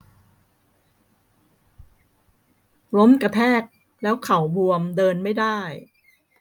ล้มกระแทกแล้วเข่าบวมเดินไม่ได้